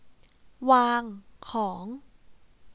วางของ